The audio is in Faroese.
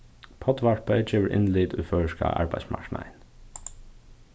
poddvarpið gevur innlit í føroyska arbeiðsmarknaðin